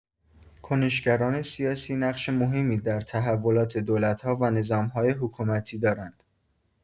کنش‌گران سیاسی نقش مهمی در تحولات دولت‌ها و نظام‌های حکومتی دارند.